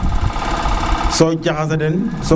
so jaxase den